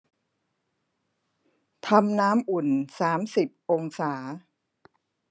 ทำน้ำอุ่นสามสิบองศา